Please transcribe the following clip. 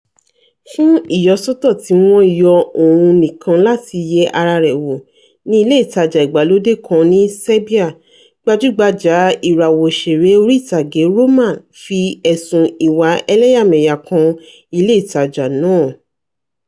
Fún ìyọsọ́tọ̀ tí wọ́n yọ òun nìkan láti yẹ ara rẹ̀ wò ní ilé ìtajà ìgbàlódé kan ní Serbia, gbajúgbajà ìràwọ̀ òṣèré orí-ìtàgé Roma fi ẹ̀sùn ìwà elẹ́yàmẹyà kan ilé ìtajà náà